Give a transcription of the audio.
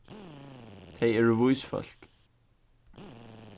tey eru vís fólk